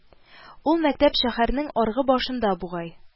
Ул мәктәп шәһәрнең аргы башында бугай